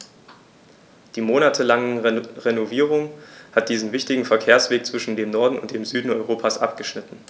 Die monatelange Renovierung hat diesen wichtigen Verkehrsweg zwischen dem Norden und dem Süden Europas abgeschnitten.